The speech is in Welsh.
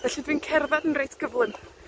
felly, dwi'n cerddad yn reit gyflym.